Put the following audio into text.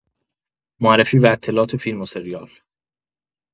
معرفی و اطلاعات فیلم و سریال